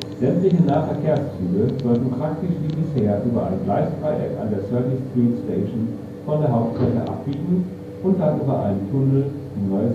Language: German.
Sämtliche Nahverkehrszüge sollten praktisch wie bisher über ein Gleisdreieck an der 30th Street Station von der Hauptstrecke abbiegen und dann über einen Tunnel die neue